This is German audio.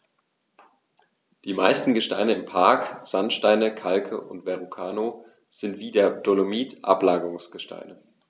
Die meisten Gesteine im Park – Sandsteine, Kalke und Verrucano – sind wie der Dolomit Ablagerungsgesteine.